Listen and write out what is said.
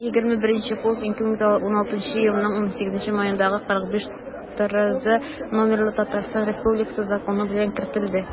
21 пункт 2016 елның 18 маендагы 45-трз номерлы татарстан республикасы законы белән кертелде